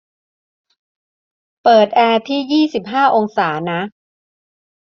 เปิดแอร์ที่ยี่สิบห้าองศานะ